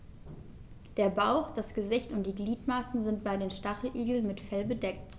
Der Bauch, das Gesicht und die Gliedmaßen sind bei den Stacheligeln mit Fell bedeckt.